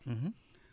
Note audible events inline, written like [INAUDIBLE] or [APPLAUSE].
[HESITATION] [HESITATION]